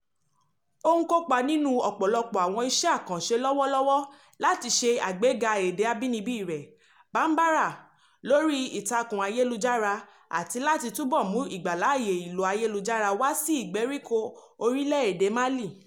Ó ń kópa nínú ọ̀pọ̀lọpọ̀ àwọn iṣẹ́ àkànṣe lọ́wọ́lọ́wọ́ láti ṣe àgbéga èdè abínibí rẹ̀, Bambara, lórí ìtàkùn ayélujára, àti láti túbọ̀ mú ìgbàláàyé ìlò ayélujára wá sí ìgbèríko orílè-èdè Mali.